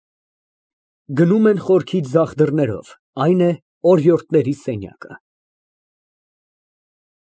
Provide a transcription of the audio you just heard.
Գնում են խորքի ձախ դռներով, այն է՝ օրիորդների սենյակները։